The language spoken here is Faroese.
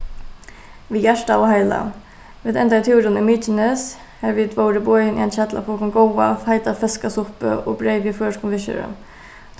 við hjarta og heila vit endaði túrin í mykines har vit vórðu boðin í ein hjall at fáa okkum góða feita feska suppu og breyð við føroyskum viðskera